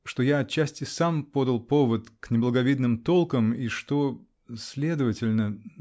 что я отчасти сам подал повод . к неблаговидным толкам и что. следовательно.